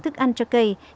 thức ăn cho kỳ